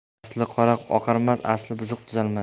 asli qora oqarmas asli buzuq tuzalmas